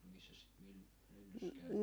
no missäs sitä - myllyssä käytiin